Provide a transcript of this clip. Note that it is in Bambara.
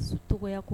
Dusu tɔgɔgoya ko